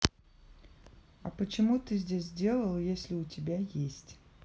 а почему ты здесь сделал если у тебя есть